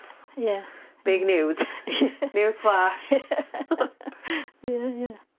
Ie. Big news. News flash. Ie ie.